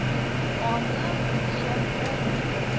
Аны үлчәп булмый.